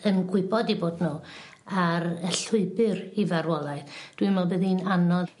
yn gwybod 'i bod n'w ar y llwybyr i farwolaeth. dwi'n me'wl bydd hi'n anodd